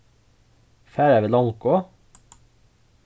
fara vit longu